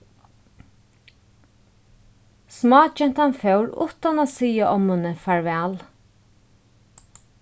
smágentan fór uttan at siga ommuni farvæl